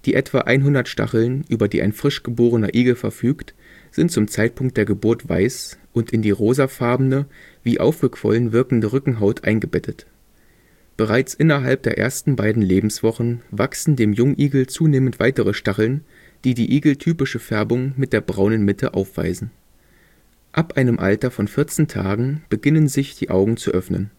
etwa 100 Stacheln, über die ein frischgeborener Igel verfügt, sind zum Zeitpunkt der Geburt weiß und in die rosafarbene, wie aufgequollen wirkende Rückenhaut eingebettet. Bereits innerhalb der ersten beiden Lebenswochen wachsen dem Jungigel zunehmend weitere Stachel, die die igeltypische Färbung mit der braunen Mitte aufweisen. Ab einem Alter von 14 Tagen beginnen sich die Augen zu öffnen